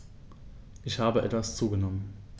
Ich habe etwas zugenommen